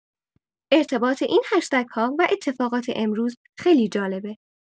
ارتباط این هشتگ‌ها و اتفاقات امروز خیلی جالبه!